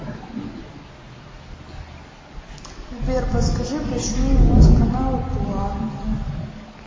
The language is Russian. сбер подскажи почему у нас каналы платные